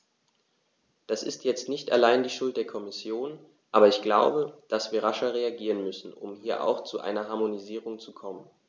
Das ist jetzt nicht allein die Schuld der Kommission, aber ich glaube, dass wir rascher reagieren müssen, um hier auch zu einer Harmonisierung zu kommen.